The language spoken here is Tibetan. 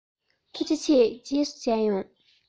ཐུགས རྗེ ཆེ རྗེས སུ མཇལ ཡོང